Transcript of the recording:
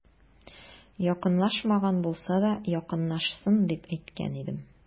Якынлашмаган булса да, якынлашсын, дип әйткән идем.